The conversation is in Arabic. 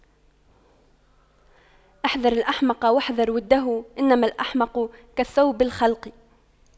احذر الأحمق واحذر وُدَّهُ إنما الأحمق كالثوب الْخَلَق